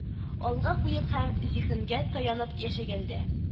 Алга куеп һәм зиһенгә таянып яшәгәндә